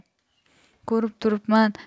ko'rib turibman